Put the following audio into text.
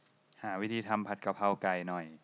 หาวิธีทำผัดกะเพราไก่หน่อย